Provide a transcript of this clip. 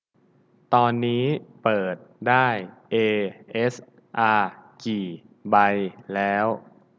ตอนนี้เปิดได้เอเอสอากี่ใบแล้ว